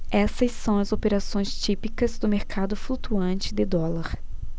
essas são as operações típicas do mercado flutuante de dólar